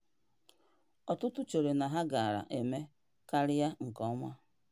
Ọtụtụ cheere na ha gaara eme karịa nkeọma.